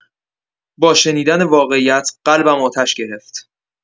با شنیدن واقعیت قلبم آتش گرفت.